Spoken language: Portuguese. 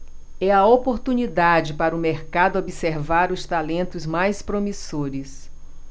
é a oportunidade para o mercado observar os talentos mais promissores